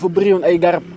dafa bëri woon ay garab